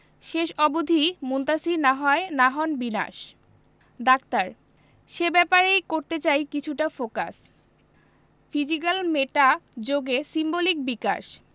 শেষ অবধি মুনতাসীর না হন বিনাশ ডাক্তার সে ব্যাপারেই করতে চাই কিছুটা ফোকাস ফিজিক্যাল মেটা যোগে সিম্বলিক বিকাশ